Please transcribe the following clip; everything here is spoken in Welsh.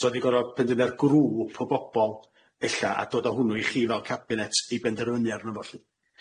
So o'dd i gor'o' benderne'r grŵp o bobol ella a dod o hwnnw i chi fel cabinet i benderfynu arno fo lly.